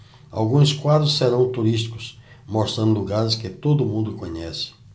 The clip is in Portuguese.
alguns quadros serão turísticos mostrando lugares que todo mundo conhece